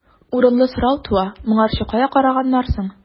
Урынлы сорау туа: моңарчы кая караганнар соң?